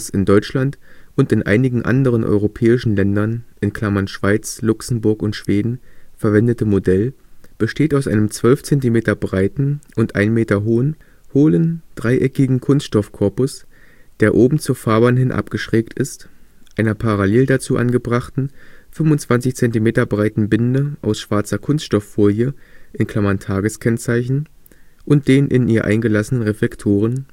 in Deutschland und in einigen anderen europäischen Ländern (Schweiz, Luxemburg, Schweden) verwendete Modell besteht aus einem 12 Zentimeter breiten und 1 m hohen (über dem Fahrbahnrand), hohlen, dreieckigen Kunststoffkorpus, der oben zur Fahrbahn hin abgeschrägt ist, einer parallel dazu angebrachten, 25 cm breiten Binde aus schwarzer Kunststofffolie (Tageskennzeichen) und den in ihr eingelassenen Reflektoren